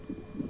waaw